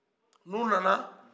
ni u nana